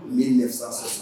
1960